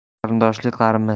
qarindoshli qarimas